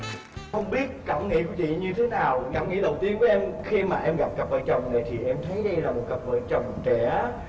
không biết cảm nghĩ của chị như thế nào cảm nghĩ đầu tiên của em khi mà em gặp cặp vợ chồng người chị em thấy đây là một cặp vợ chồng trẻ